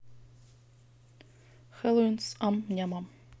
хэллоуин с ам нямом